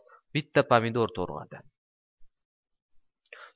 bitta pomidor to'g'radi